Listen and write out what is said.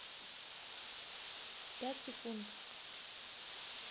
пять секунд